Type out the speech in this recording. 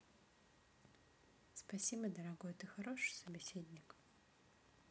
спасибо дорогой ты хороший собеседник